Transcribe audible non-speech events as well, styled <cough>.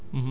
<hesitation> <hesitation>